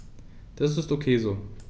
Das ist ok so.